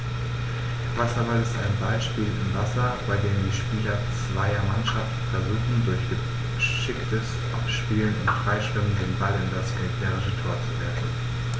Wasserball ist ein Ballspiel im Wasser, bei dem die Spieler zweier Mannschaften versuchen, durch geschicktes Abspielen und Freischwimmen den Ball in das gegnerische Tor zu werfen.